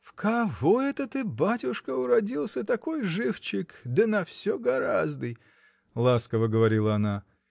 — В кого это ты, батюшка, уродился такой живчик да на всё гораздый? — ласково говорила она.